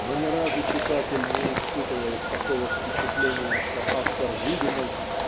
но ни разу читатель не испытывает такого впечатления что автор выдумал